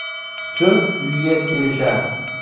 so'ng uyga kelishar